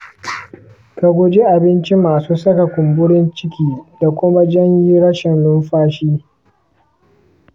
ka guji abinci masu saka kumburin ciki da kuma janyi rashin numfashi.